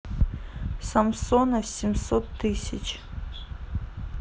самсоном семьсот тысяч